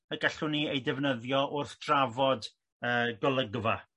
y gallwn ni eu defnyddio wrth drafod y golygfa.